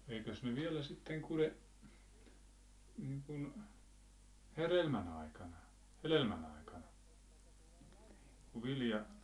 eikös ne vielä sitten kulje niin kuin hedelmän aikana hedelmän aikana kun vilja